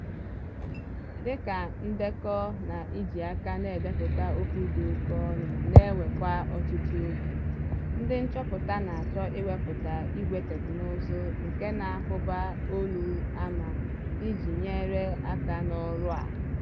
Dịka ndekọ na iji aka na-edepụta okwu dịoke ọnụ ma na-ewekwa ọtụtụ oge, ndị nchọpụta na- achọ iweputa ígwè teknụzụ nke na-ahụba olu ama iji nyere aka n'ọrụ a.